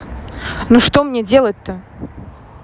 ну что мне делать то